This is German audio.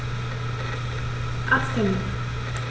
Arzttermin